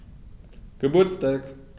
Geburtstag